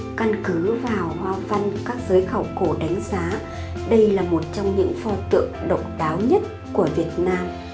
căn cứ vào hoa văn các giới khảo cổ đánh giá đây là một trong những pho tượng độc đáo nhất của việt nam